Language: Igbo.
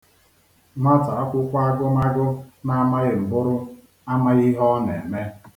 Nwata akwụkwọ agụmagụ na-amaghị mbụrụ, amaghị ihe ọ na-eme.